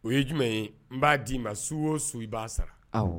O ye jumɛn ye n b'a d'i ma su o so i b'a sara